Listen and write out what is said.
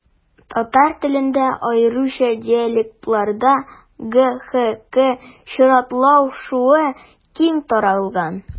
Татар телендә, аеруча диалектларда, г-х-к чиратлашуы киң таралган.